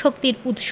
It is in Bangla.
শক্তির উৎস